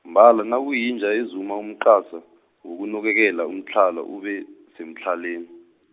mbala nakuyinja ezuma umqasa, ngokunukelela umtlhala ube semtlhaleni.